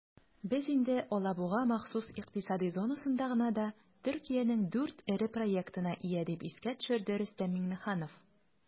"без инде алабуга махсус икътисади зонасында гына да төркиянең 4 эре проектына ия", - дип искә төшерде рөстәм миңнеханов.